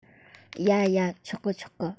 ཡ ཡ ཆོག གི ཆོག གི